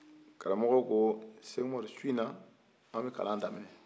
karamɔgɔ ko sɛkumaru su in na an bi kalan daminɛ